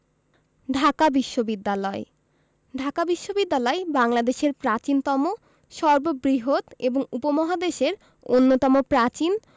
ঢাকা বিশ্ববিদ্যালয় ঢাকা বিশ্ববিদ্যালয় বাংলাদেশের প্রাচীনতম সর্ববৃহৎ এবং উপমহাদেশের অন্যতম প্রাচীন